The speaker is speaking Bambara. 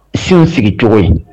Siw sigicogo in